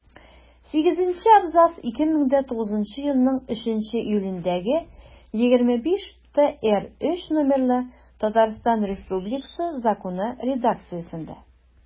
Сигезенче абзац 2009 елның 3 июлендәге 25-ТРЗ номерлы Татарстан Республикасы Законы редакциясендә.